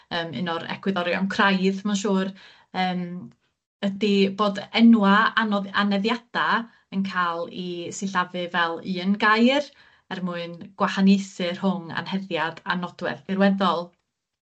yym un o'r egwyddorion craidd, ma'n siŵr yym ydi bod enwa' anodd- aneddiada' yn ca'l 'u sillafu fel un gair er mwyn gwahaniaethu rhwng anheddiad a nodwedd dirweddol.